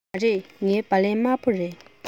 མ རེད ངའི སྦ ལན དམར པོ རེད